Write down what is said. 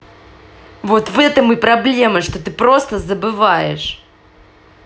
вот в этом и проблема что ты просто забываешь